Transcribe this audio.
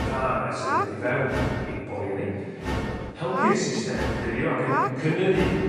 da yne sydd yn mynd i fewn i'n bolie ni mae o'n helpu'r system dreulio ag yn cynyddu